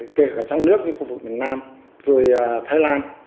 kể cả trong nước như khu vực miền nam rồi thái lan